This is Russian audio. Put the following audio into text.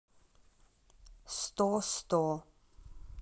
сто сто